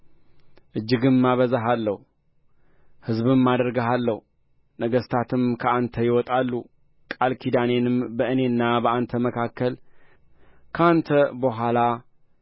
እጅግም አበዛሃለሁ ሕዝብም አደርግሃለሁ ነገሥታትም ከአንተ ይወጣሉ ቃል ኪዳኔንም በእኔና በአንተ መካከል ከአንተም በኋላ